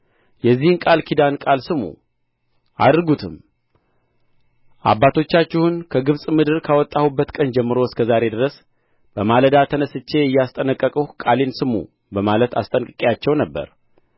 የዚህን ቃል ኪዳን ቃል ስሙ አድርጉትም አባቶቻችሁን ከግብጽ ምድር ካወጣሁበት ቀን ጀምሮ እስከ ዛሬ ድረስ በማለዳ ተነሥቼ እያስጠነቀቅሁ ቃሌን ስሙ በማለት አስጠንቅቄአቸው ነበር